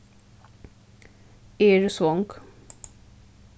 eg eri svong